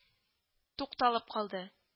Тукталып калды